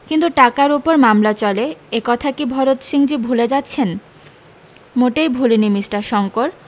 কিন্তু টাকার উপর মামলা চলে একথা কী ভরত সিংজী ভুলে যাচ্ছেন মোটেই ভুলিনি মিষ্টার শংকর